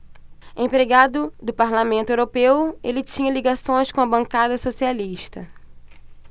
empregado do parlamento europeu ele tinha ligações com a bancada socialista